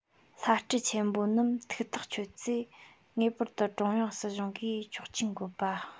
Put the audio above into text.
བླ སྤྲུལ ཆེན པོ རྣམས ཐུགས ཐག གཅོད ཚེ ངེས པར དུ ཀྲུང དབྱང སྲིད གཞུང གིས ཆོག མཆན འགོད པ